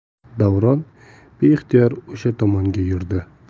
davron beixtiyor o'sha tomonga yurdi